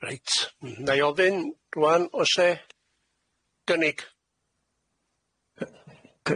Reit n- n- 'na'i ofyn rŵan o's e gynnig?